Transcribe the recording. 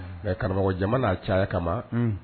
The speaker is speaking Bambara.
Ɛ karamɔgɔ jamana'a caya kama